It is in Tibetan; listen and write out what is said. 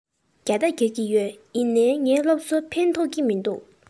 རྒྱག དང རྒྱག གི ཡོད ཡིན ནའི ངའི སློབ གསོས ཕན ཐོགས ཀྱི མི འདུག